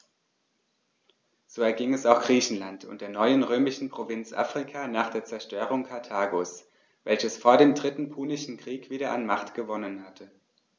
So erging es auch Griechenland und der neuen römischen Provinz Afrika nach der Zerstörung Karthagos, welches vor dem Dritten Punischen Krieg wieder an Macht gewonnen hatte.